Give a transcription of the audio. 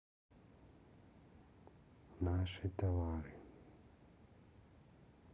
наши товары